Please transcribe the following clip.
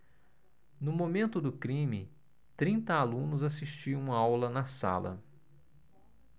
no momento do crime trinta alunos assistiam aula na sala